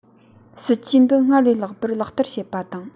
སྲིད ཇུས འདི སྔར ལས ལྷག པར ལག བསྟར བྱེད པ དང